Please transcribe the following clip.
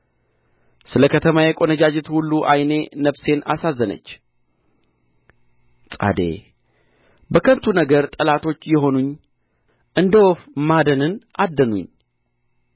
ስለ ከተማዬ ቈነጃጅት ሁሉ ዓይኔ ነፍሴን አሳዘነች ጻዴ በከንቱ ነገር ጠላቶች የሆኑኝ እንደ ወፍ ማደንን አደኑኝ